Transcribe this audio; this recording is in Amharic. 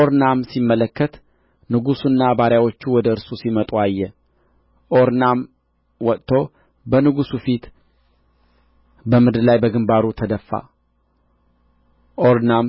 ኦርናም ሲመለከት ንጉሡና ባሪያዎቹ ወደ እርሱ ሲመጡ አየ ኦርናም ወጥቶ በንጉሡ ፊት በምድር ላይ በግምባሩ ተደፋ ኦርናም